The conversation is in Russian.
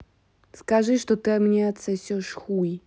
скажи что ты мне отсосешь хуй